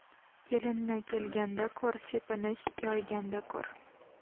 kelinni kelganda ko'r sepini yoyganda kor